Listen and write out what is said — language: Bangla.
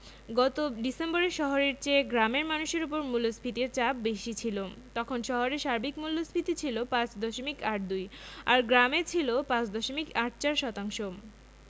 গত ডিসেম্বরে শহরের চেয়ে গ্রামের মানুষের ওপর মূল্যস্ফীতির চাপ বেশি ছিল তখন শহরে সার্বিক মূল্যস্ফীতি ছিল ৫ দশমিক ৮২ আর গ্রামে ছিল ৫ দশমিক ৮৪ শতাংশ